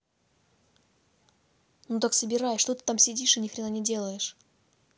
ну так собирай что ты там сидишь и ни хрена не делаешь